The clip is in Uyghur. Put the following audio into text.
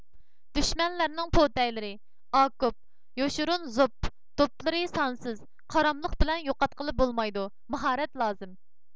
دۈشمەنلەرنىڭ پوتەيلىرى ئاكوپ يوشۇرۇن زوپ دوپلىرى سانسىز قاراملىق بىلەن يوقاتقىلى بولمايدۇ ماھارەت لازىم